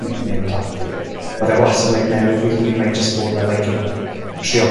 nickname dad fi. O'dd e wastad yn like newid fy hun like jyst bod fel like you know trio